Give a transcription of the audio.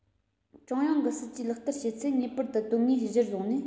ཀྲུང དབྱང གི སྲིད ཇུས ལག བསྟར བྱེད ཚེ ངེས པར དུ དོན དངོས གཞིར བཟུང ནས